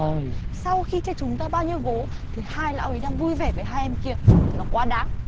sau khi chơi chúng ta bao nhiêu vố thì hai lão ấy đang vui vẻ với hai em kia thật là quá đáng